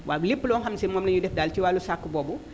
waaw lépp loo xam ne si moom la ñuy def daal ci wàllu charte boobu